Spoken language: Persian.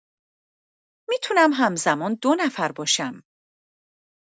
می‌تونم هم‌زمان دو نفر باشم.